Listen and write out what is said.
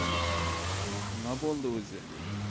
nima bo'ldi o'zi